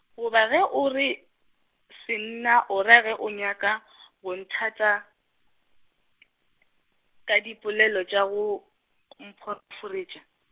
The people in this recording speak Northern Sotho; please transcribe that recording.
goba ge o re, senna o ra ge o nyaka , go nthata, ka dipolelo tša go, mphoraforetša.